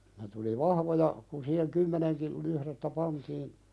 siinä tuli vahvoja kun siihen kymmenenkin lyhdettä pantiin